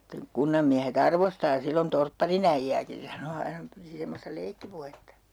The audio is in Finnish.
sitten kunnanmiehet arvostaa silloin torpparin äijääkin se sanoi aina piti semmoista leikkipuhetta